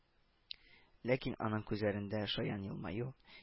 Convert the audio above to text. Ләкин аның күзләрендә шаян елмаю